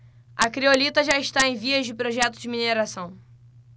a criolita já está em vias de projeto de mineração